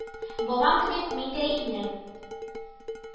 Бабам кебек мин дә илне